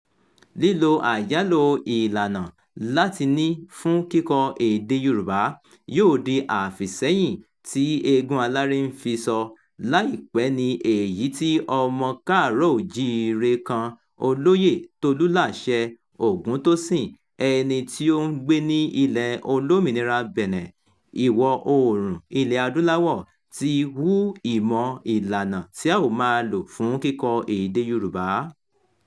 Lílo àyálò ìlànà Látíìnì fún kíkọ èdè Yorùbá yóò di àfìsẹ́yìn tí eégún aláré ń fiṣọ láì pẹ́ ní èyí tí ọmọ Káàárọ̀-o-ò-jí-ire kan, Olóyè Tolúlàṣẹ Ògúntósìn, ẹni tí ó ń gbé ní Ilẹ̀ Olómìnira Bẹ̀nẹ̀, Ìwọ̀-oòrùn Ilẹ̀-Adúláwọ̀, ti hu ìmọ̀ ìlànà tí a ó máa lò fún kíkọ èdè Yorùbá.